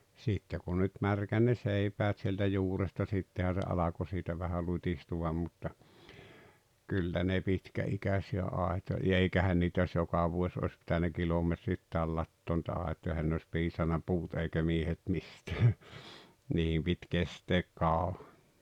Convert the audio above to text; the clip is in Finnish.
sitten kun nyt märkäni ne seipäät sieltä juuresta sittenhän se alkoi sitä vähän lutistua mutta kyllä ne pitkäikäisiä - ja eikähän niitä jos joka vuosi olisi pitänyt kilometreittäin latoa niitä aitoja eihän ne olisi piisannut puut eikä miehet mistään niiden piti kestää kauan